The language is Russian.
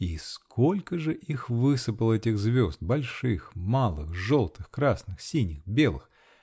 И сколько ж их высыпало, этих звезд -- больших, малых, желтых, красных, синих, белых !